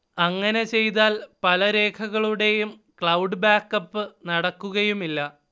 അങ്ങനെ ചെയ്താൽ പല രേഖകളുടെയും ക്ലൗഡ് ബാക്ക്അപ്പ് നടക്കുകയുമില്ല